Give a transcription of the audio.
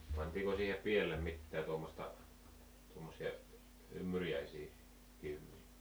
pantiinko siihen päälle mitään tuommoista tuommoisia ympyräisiä kiviä